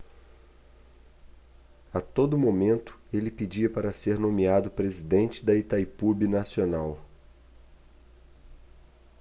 a todo momento ele pedia para ser nomeado presidente de itaipu binacional